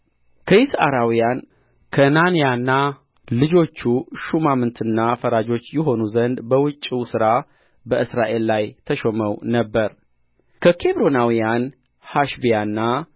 ከይስዓራውያን ከናንያና ልጆቹ ሹማምትና ፈራጆች ይሆኑ ዘንድ በውጭው ሥራ በእስራኤል ላይ ተሾመው ነበር ከኬብሮናውያን ሐሸብያና